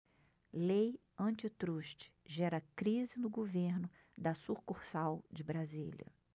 lei antitruste gera crise no governo da sucursal de brasília